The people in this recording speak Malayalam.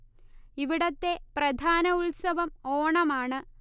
ഇവിടത്തെ പ്രധാന ഉത്സവം ഓണമാണ്